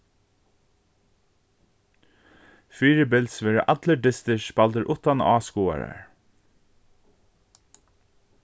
fyribils verða allir dystir spældir uttan áskoðarar